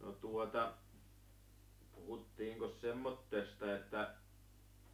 no tuota puhuttiinkos semmoisesta että